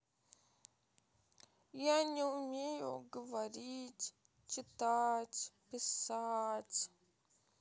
я не умею говорить читать писать